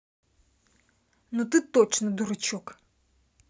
ну ты точно дурачок